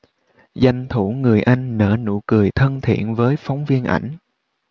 danh thủ người anh nở nụ cười thân thiện với phóng viên ảnh